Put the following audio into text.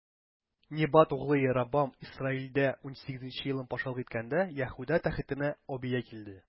Небат углы Яробам Исраилдә унсигезенче елын патшалык иткәндә, Яһүдә тәхетенә Абия килде.